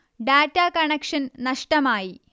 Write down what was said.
data connection നഷ്ടമായി